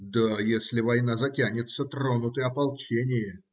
- Да если война затянется, тронут и ополчение.